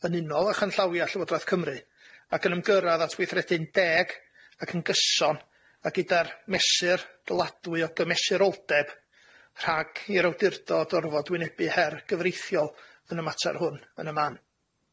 yn unol â chanllawia Llywodraeth Cymru ac yn ymgyrradd at weithredu'n deg ac yn gyson a gyda'r mesur dyladwy o gymesuroldeb rhag i'r awdurdod orfod wynebu her gyfreithiol yn y mater hwn yn y man.